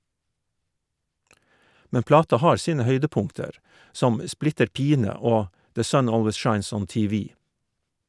Men plata har sine høydepunkter, som «Splitter pine» og «The Sun Always Shines on TV».